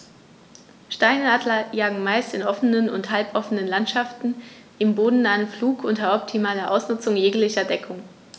Steinadler jagen meist in offenen oder halboffenen Landschaften im bodennahen Flug unter optimaler Ausnutzung jeglicher Deckung.